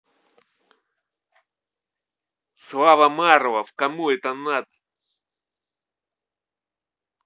slava marlow кому это надо